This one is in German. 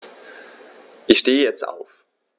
Ich stehe jetzt auf.